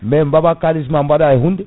mais ɓama kalisma baɗa e hunde